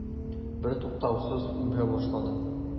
Бертуктаусыз үбә башладың.